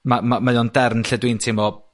ma' ma' mae o'n derm lle dwi'n timlo